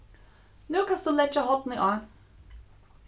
nú kanst tú leggja hornið á